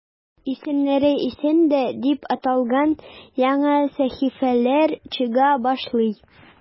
"исемнәре – исемдә" дип аталган яңа сәхифәләр чыга башлый.